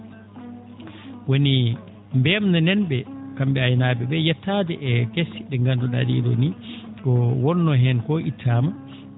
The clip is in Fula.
woni mbe?nanen ?e kam?e aynaa?e ?ee e yettaade e gese ?e ngandu?a ?ee ?oo ni ko wonnoo heen koo ittaama